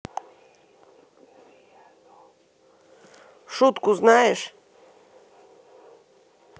шутку знаешь